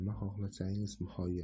nima xohlasangiz muhayyo